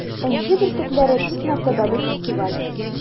“энҗе бөртекләре” - бик мәртәбәле фестиваль.